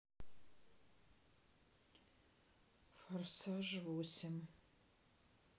форсаж восемь